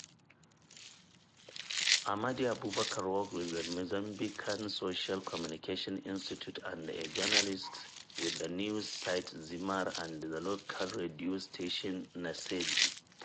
Amade Aoubacar works with the Mozambican Social Communication Institute and as a journalist with news site Zitamar and the local radio station, Nacedje.